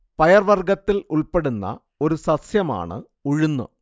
പയർ വർഗ്ഗത്തിൽ ഉൾപ്പെടുന്ന ഒരു സസ്യമാണ് ഉഴുന്ന്